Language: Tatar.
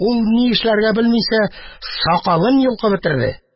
Ул, ни эшләргә белмичә, сакалын йолкып бетерде.